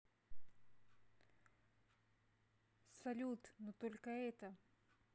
салют но только это